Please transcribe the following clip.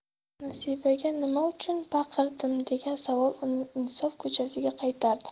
nasibaga nima uchun baqirdim degan savol uni insof ko'chasiga qaytardi